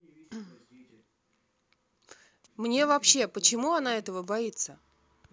мне вообще почему она этого боится